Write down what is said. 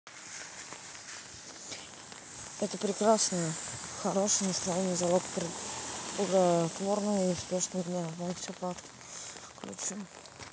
это прекрасно хорошее настроение залог плодотворного и успешного дня вам все по ключу